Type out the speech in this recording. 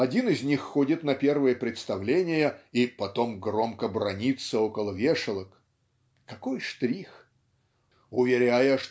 один из них ходит на первые представления и "потом громко бранится около вешалок (какой штрих!) "уверяя